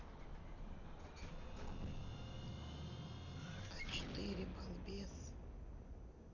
а четыре балбес